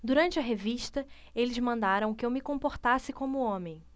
durante a revista eles mandaram que eu me comportasse como homem